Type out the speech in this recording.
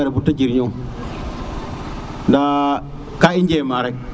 bata jir nong nda ka i njeema rek